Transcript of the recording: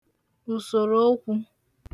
ùsòròokwū